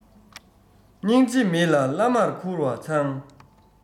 སྙིང རྗེ མེད ལ བླ མར ཁུར བ མཚང